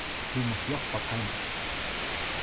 tú mást hjálpa teimum